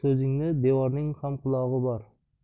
devorning ham qulog'i bor